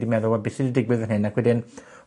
meddwl o be' sy 'di digwydd fan hyn ac wedyn,